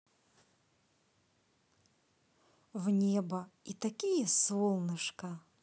в небо и такие солнышко